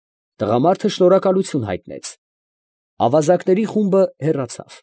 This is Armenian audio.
Տղամարդը շնորհակալություն հայտնեց։ Ավազակների խումբը հեռացավ։